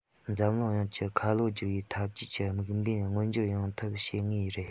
འཛམ གླིང ཡོངས ཀྱི ཁ ལོ སྒྱུར བའི འཐབ ཇུས ཀྱི དམིགས འབེན མངོན འགྱུར ཡོང ཐབས བྱེད ངེས རེད